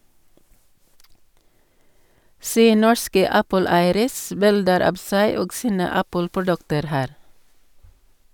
Se norske Apple-eieres bilder av seg og sine Apple-produkter her!